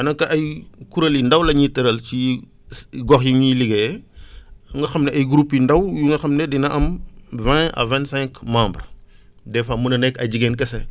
alors que ay kuréel yu ndaw la ñuy tëral ci gox yi ñuy liggéeyee nga xam ne ay groupes yu ndaw yu nga xam ne dina am vingt à vingt cinq membres des fois mun na nekk ay jigéen kese